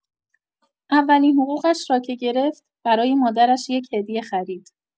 اولین حقوقش را که گرفت، برای مادرش یک هدیه خرید.